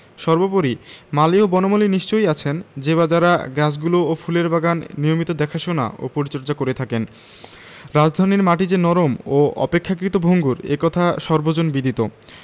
সর্বোপরি মালি ও বনমালী নিশ্চয়ই আছেন যে বা যারা গাছগুলো ও ফুলের বাগান নিয়মিত দেখাশোনা ও পরিচর্যা করে থাকেন রাজধানীর মাটি যে নরম ও অপেক্ষাকৃত ভঙ্গুর এ কথা সর্বজনবিদিত